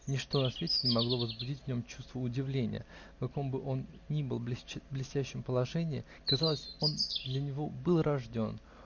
Ничто на свете не могло возбудить в нем чувства удивления: в каком бы он ни был блестящем положении, казалось, он для него был рожден.